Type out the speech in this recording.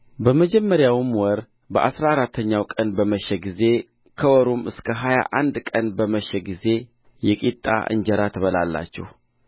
በመጀመሪያውም ወር በአሥራ አራተኛው ቀን በመሸ ጊዜ ከወሩም እስከ ሀያ አንድ ቀን በመሸ ጊዜ የቂጣ እንጀራ ትበላላችሁ